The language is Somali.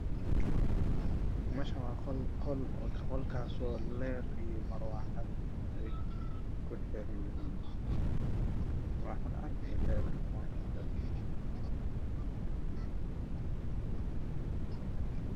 Waa qol waxaa ka daaran dheer kor waxaa ku xiran muraaxad midabkeedii ay caddaan darbiga waa cadaan